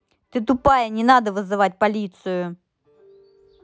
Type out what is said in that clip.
ты тупая не надо вызывать полицию